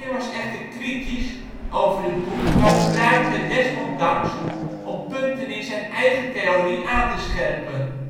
was echter kritisch over het boek, maar gebruikte het desondanks om punten in zijn eigen theorie aan te scherpen